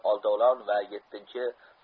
oltovlon va yettinchi